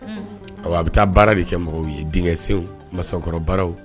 Ɔ a bɛ taa baara de kɛ mɔgɔw ye denkɛ masakɔrɔraww